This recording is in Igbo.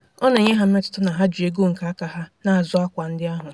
Ọ na-enye ha mmetụta na ha ji ego nke aka ha na-azụ akwa ndị ahụ.